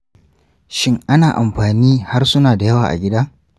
shin ana amfani harsuna dayawa a gida?